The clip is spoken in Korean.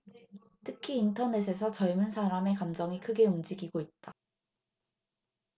특히 인터넷에서 젊은 사람의 감정이 크게 움직이고 있다